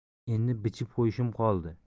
endi bichib qo'yishim qoldi